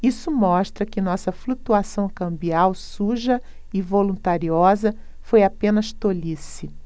isso mostra que nossa flutuação cambial suja e voluntariosa foi apenas tolice